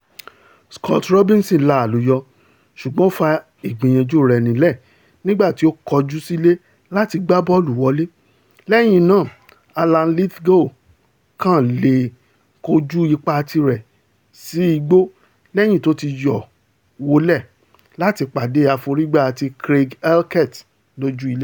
Scott Robinson la àlùyọ ṣùgbọ́n ó fa ìgbìyànjú rẹ nílẹ̀ nìgbà tí ó kọjú sílé làtí gbá bọ́ọ̀lù wọlé, lẹ́yìn náà Alan Lithgow kàn leè kọjú ipá tirẹ̀ sí igbó lẹ́yìn tó ti yọ wọlé láti pàdé àforìgbá ti Craig Halkett lójú ilé.